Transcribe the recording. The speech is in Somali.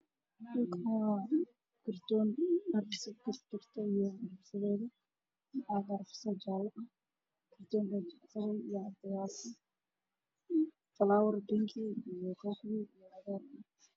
Waa caagad waxa ku jira shaambo midabkoodu yahay qaxwi